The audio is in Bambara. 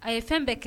A ye fɛn bɛɛ kɛ